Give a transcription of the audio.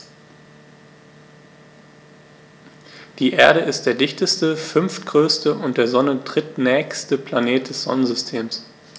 Die Erde ist der dichteste, fünftgrößte und der Sonne drittnächste Planet des Sonnensystems.